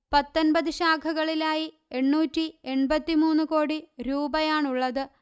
പത്തൊന്പത് ശാഖകളിലായി എണ്ണൂറ്റി എണ്പത്തി മൂന്ന്കോടി രൂപയാണുള്ളത്